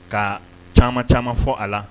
Ka caman caman fɔ a la